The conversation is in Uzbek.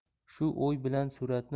shu o'y bilan suratni